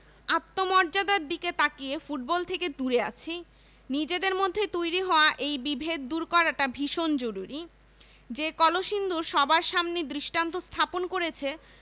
আত্মমর্যাদার দিকে তাকিয়ে ফুটবল থেকে দূরে আছি নিজেদের মধ্যে তৈরি হওয়া এই বিভেদ দূর করাটা ভীষণ জরুরি যে কলসিন্দুর সবার সামনে দৃষ্টান্ত স্থাপন করেছে